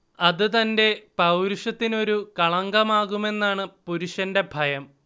അത് തന്റെ പൌരുഷത്തിനൊരു കളങ്കമാകുമെന്നാണ് പുരുഷന്റെ ഭയം